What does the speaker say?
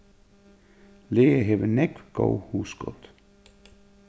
lea hevur nógv góð hugskot